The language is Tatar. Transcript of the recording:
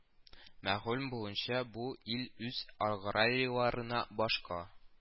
Мәгълүм булуынча, бу ил үз аграийларына башка